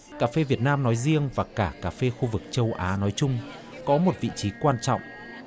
cà phê việt nam nói riêng và cả cà phê khu vực châu á nói chung có một vị trí quan trọng